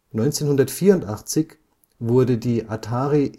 1984 wurde die Atari